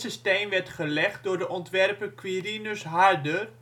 steen werd gelegd door de ontwerper Quirinus Harder